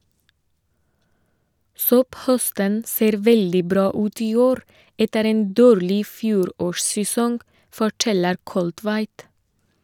- Sopphøsten ser veldig bra ut i år, etter en dårlig fjorårssesong, forteller Kolltveit.